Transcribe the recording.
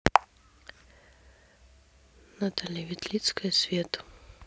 наталья ветлицкая свет